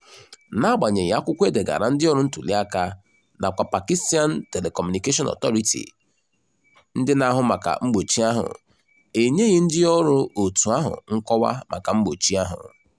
N'agbanyeghị akwụkwọ e degaara ndịọrụ ntuliaka nakwa Pakistan Telecommunication Authority (ndị na-ahụ maka mgbochi ahụ), enyeghị ndịọrụ òtù ahụ nkọwa maka mgbochi ahụ.